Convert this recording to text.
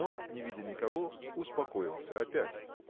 но, не видя никого, успокоился опять.